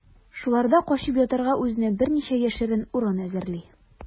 Шуларда качып ятарга үзенә берничә яшерен урын әзерли.